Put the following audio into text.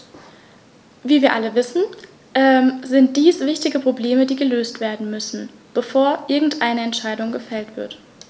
Wie wir alle wissen, sind dies wichtige Probleme, die gelöst werden müssen, bevor irgendeine Entscheidung gefällt wird.